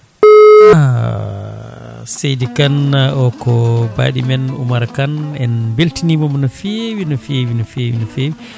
aaah seydi Kane o ko baaɗi men Oumar Kane en beltimomo no feewi no fewi no fewi no fewi